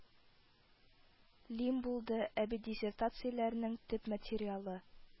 Лим булды, ә бит диссертацияләрнең төп материалы –